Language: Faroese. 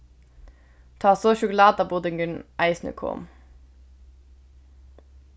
tá so sjokulátabudingurin eisini kom